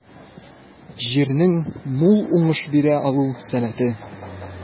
Җирнең мул уңыш бирә алу сәләте.